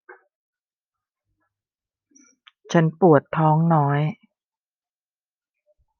ฉันปวดท้องน้อย